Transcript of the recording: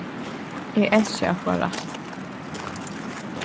eg elski at fáa rætt